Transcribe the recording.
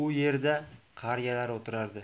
u yerda qariyalar o'tiradi